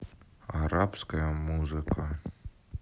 арабская музыка